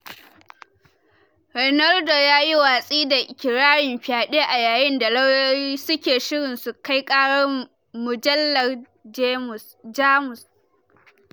Ronaldo yayi watsi da ikirarin fyaɗe a yayin da lauyoyi suke shirin su kai ƙarar mujallar Jamus.